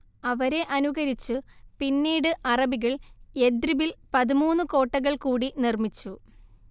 അവരെ അനുകരിച്ചു പിന്നീട് അറബികൾ യഥ്‌രിബിൽ പതിമൂന്നു കോട്ടകൾ കൂടി നിർമ്മിച്ചു